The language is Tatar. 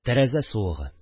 Тәрәзә суыгы